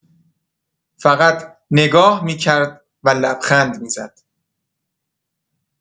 فقط نگاه می‌کرد و لبخند می‌زد.